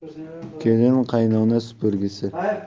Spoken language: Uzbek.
kelin qaynona supurgisi